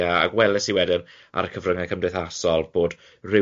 A weles i wedyn ar y cyfrynge cymdeithasol bod rywun